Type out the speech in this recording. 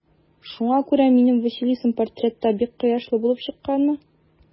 Шуңа күрә минем Василисам портретта бик кояшлы булып чыкканмы?